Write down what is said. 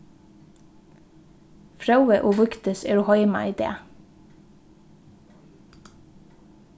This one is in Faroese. fróði og vígdis eru heima í dag